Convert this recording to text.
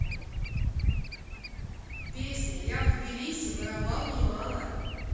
песня я в тбилиси воровал немало